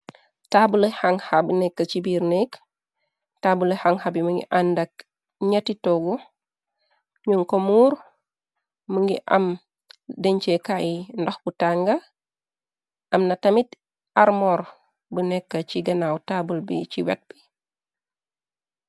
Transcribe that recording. Taabule xangxabi nekk ci biir nékk taabule xanxabyi mingi àndak ñetti toogo ñun ko muur mu ngi am dence kaay ndax bu tànga amna tamit armor bu nekk ci ganaaw taabul bi ci wet bi.